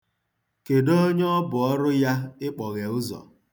Kedụ onye ọ bụ ọrụ ya ịkpọghe ụzọ?